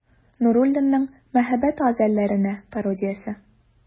Нуруллинның «Мәхәббәт газәлләренә пародия»се.